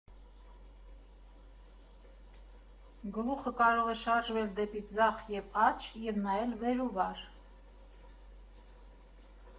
Գլուխը կարող է շարժվել դեպի ձախ և աջ և նայել վեր ու վար։